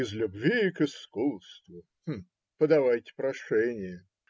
- Из любви к искусству?. Мм!. Подавайте прошение.